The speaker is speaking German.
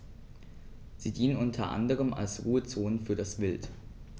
Sie dienen unter anderem als Ruhezonen für das Wild.